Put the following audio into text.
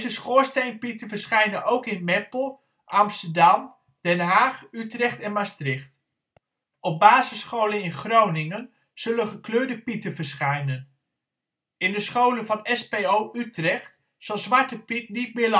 schoorsteenpieten verschijnen ook in Meppel, Amsterdam, Den Haag, Utrecht en Maastricht. Op basisscholen in Groningen zullen gekleurde pieten verschijnen. In de scholen van SPO Utrecht zal Zwarte Piet niet meer langskomen